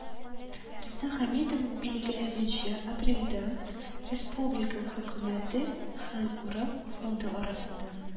Рөстәм Хәмитов билгеләвенчә, апрельдә республика Хөкүмәте һәм “Урал” фонды арасында